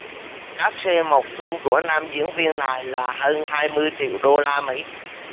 cát sê một phim của nam diễn viên này là hơn hai mươi triệu đô la mỹ